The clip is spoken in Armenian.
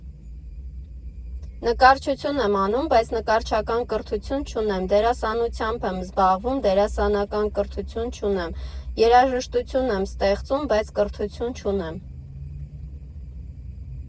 Նկարչություն եմ անում, բայց նկարչական կրթություն չունեմ, դերասանությամբ եմ զբաղվում՝ դերասանական կրթություն չունեմ, երաժշտություն եմ ստեղծում, բայց կրթություն չունեմ։